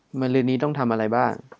มะรืนนี้ต้องทำอะไรบ้าง